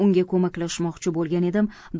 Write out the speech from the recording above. men unga ko'maklashmoqchi bo'lgan edim